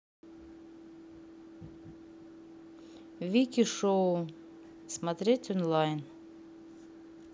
вики шоу смотреть онлайн